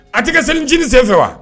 A tɛ kɛ selicinin sen fɛ wa?